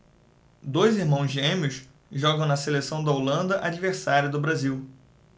dois irmãos gêmeos jogam na seleção da holanda adversária do brasil